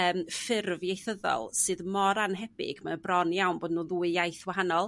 yym ffurf ieithyddol sydd mor annhebyg mae o bron iawn bo' n'w'n ddwy iaith wahanol